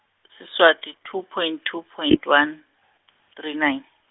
Siswati, two, point, two, point, one, three, nine.